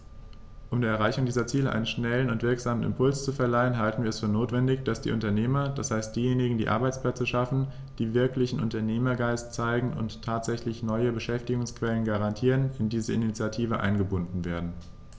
Um der Erreichung dieser Ziele einen schnellen und wirksamen Impuls zu verleihen, halten wir es für notwendig, dass die Unternehmer, das heißt diejenigen, die Arbeitsplätze schaffen, die wirklichen Unternehmergeist zeigen und tatsächlich neue Beschäftigungsquellen garantieren, in diese Initiative eingebunden werden.